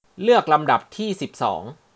เลือกลำดับที่สิบสอง